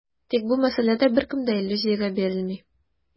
Тик бу мәсьәләдә беркем дә иллюзиягә бирелми.